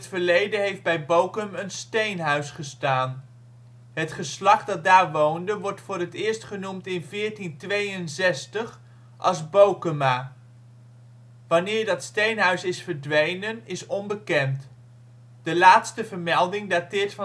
verleden heeft bij Bokum een steenhuis gestaan. Het geslacht dat daar woonde wordt voor het eerst genoemd in 1462 als Bokema. Wanneer dat steenhuis is verdwenen is onbekend, de laatste vermelding dateert